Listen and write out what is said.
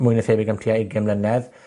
mwy na thebyg am tua ugain mlynedd.